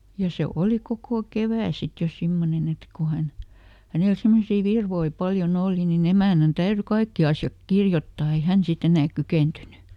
ja se oli koko kevät sitten jo semmoinen että kun hän hänellä semmoisia virkoja paljon oli niin emännän täytyi kaikki asiat kirjoittaa ei hän sitten enää kykeentynyt